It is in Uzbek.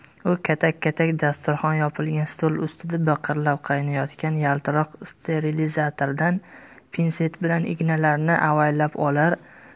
u katak katak dasturxon yopilgan stol ustida biqirlab qaynayotgan yaltiroq sterilizatordan pinset bilan ignalami avaylab olar